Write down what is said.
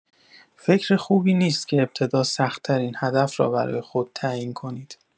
فکر خوبی نیست که ابتدا سخت‌ترین هدف را برای خود تعیین کنید.